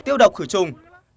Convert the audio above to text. tiêu độc khử trùng